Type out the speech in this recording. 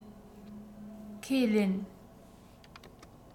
ཁས ལེན